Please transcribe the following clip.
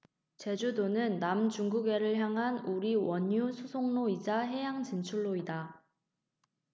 제주도는 남중국해를 향한 우리 원유수송로이자 해양 진출로이다